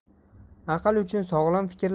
aql uchun sog'lom fikr